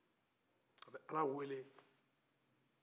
a bɛ ala wele